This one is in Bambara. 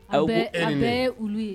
Aw aw bɛ olu ye